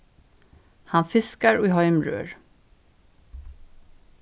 hann fiskar ið heim rør